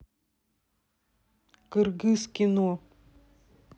кыргыз кино